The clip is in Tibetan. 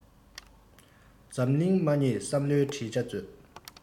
འཛམ གླིང མ བསྙེལ བསམ བློའི བྲིས བྱ མཛོད